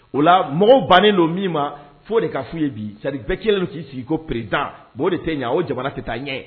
O la mɔgɔw bannen don min ma fo de ka fɔu ye bi sariyari bɛɛ kelen k'i sigi ko pered o de tɛ se ɲɛ o jamana ka taa ɲɛ ye